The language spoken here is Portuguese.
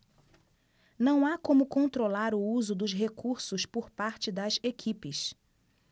não há como controlar o uso dos recursos por parte das equipes